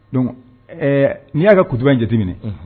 Don ɛɛ n'i y'a kɛ kuba jate jate ɲini